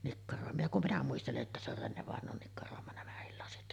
nikkaroima ja kun minä muistelen että se on Renne-vainajan nikkaroima nämäkin lasit